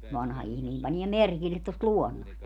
vanha ihminen panee merkille tuosta luonnosta